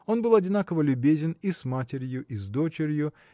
Он был одинаково любезен и с матерью и с дочерью